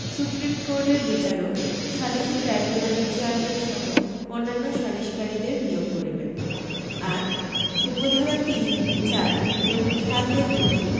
supreme কোর্টের বিচারক সালিসী ট্রাইব্যুনালের চেয়ারম্যানসহ অন্যান্য সালিসকারীদের নিয়োগ করিবেন ৮ উপ ধারা ৩ ৪ এবং ৭ এর অধীন